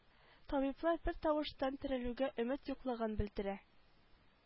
Табиблар бертавыштан терелүгә өмет юклыгын белдерә